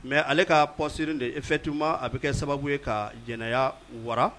Mɛ ale ka pɔsse de e fɛtima a bɛ kɛ sababu ye ka jɛnɛya wara